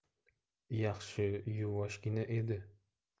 yaxshi yuvoshgina edi